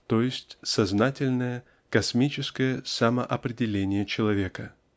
то есть сознательное космическое самоопределение человека. .